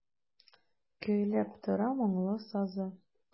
Көйләп тора моңлы сазы.